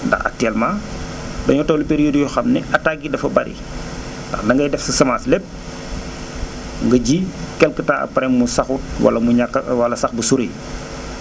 ndax actuellement dañoo toll périodes yoo xam ne attaques yi dafa bari ndax da ngay def sa semence lépp nga ji quelque temps après mu saqut wala mu ñàkk a wala sax bu sori